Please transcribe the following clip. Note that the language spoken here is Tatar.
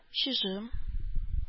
Чыжым